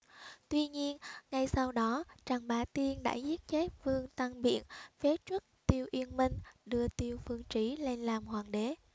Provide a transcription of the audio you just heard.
tuy nhiên ngay sau đó trần bá tiên đã giết chết vương tăng biện phế truất tiêu uyên minh đưa tiêu phương trí lên làm hoàng đế